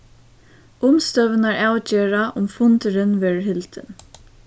umstøðurnar avgera um fundurin verður hildin